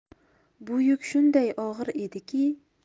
bu yuk shunday og'ir ediki